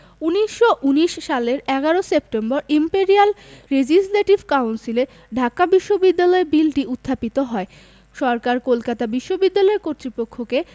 ১৯১৯ সালের ১১ সেপ্টেম্বর imperial legislative কাউন্সিলে ঢাকা বিশ্ববিদ্যালয় বিলটি উত্থাপিত হয় সরকার কলকাতা বিশ্ববিদ্যালয় কর্তৃপক্ষকে